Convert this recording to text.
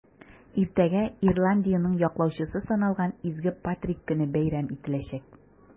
Иртәгә Ирландиянең яклаучысы саналган Изге Патрик көне бәйрәм ителәчәк.